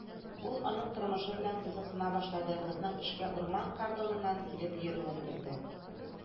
Ул аның тормышы белән кызыксына башлады, кызның эшкә урман кордоныннан килеп йөрүен белде.